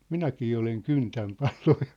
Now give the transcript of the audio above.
minäkin olen kyntänyt paloa